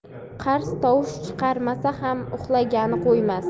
qarz tovush chiqarmasa ham uxlagani qo'ymas